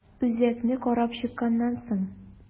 Үзәкне карап чыкканнан соң.